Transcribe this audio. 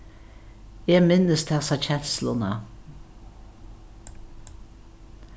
eg minnist hasa kensluna